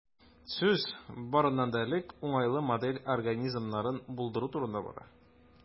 Сүз, барыннан да элек, уңайлы модель организмнарын булдыру турында бара.